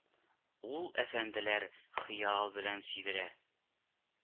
Ул, әфәнделәр, хыял белән сөйдерә